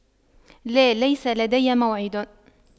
لا ليس لدي موعد